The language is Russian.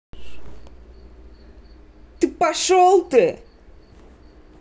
ты пошел ты